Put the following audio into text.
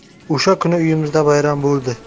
o'sha kuni uyimizda bayram bo'ldi